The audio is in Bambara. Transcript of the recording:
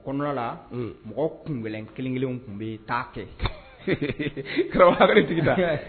Kɔnɔna la mɔgɔ kun gɛlɛn kelenkelen tun bɛ ta kɛ